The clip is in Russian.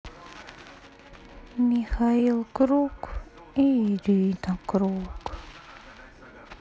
михаил круг и ирина круг